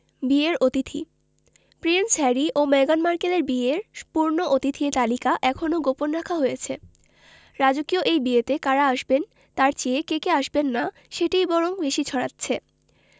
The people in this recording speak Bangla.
বিয়ের অতিথি প্রিন্স হ্যারি ও মেগান মার্কেলের বিয়ের পূর্ণ অতিথি তালিকা এখনো গোপন রাখা হয়েছে রাজকীয় এই বিয়েতে কারা আসবেন তার চেয়ে কে কে আসবেন না সেটিই বরং বেশি ছড়াচ্ছে